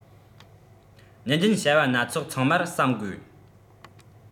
ཉིན རྒྱུན བྱ བ སྣ ཚོགས ཚང མར བསམ དགོས